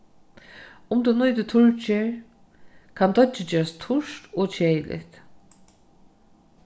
um tú nýtir turrger kann deiggið gerast turt og keðiligt